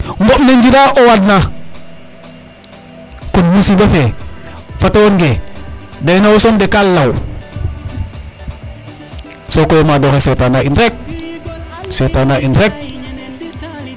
mboɓ ne njira o waad na kon musiba fe fato wooronge deye no wo soom de ka law sokoy o moadoxe setana in rek setana in rek